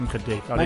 am chydig. Nai neud